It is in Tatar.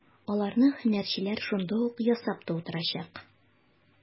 Аларны һөнәрчеләр шунда ук ясап та утырачак.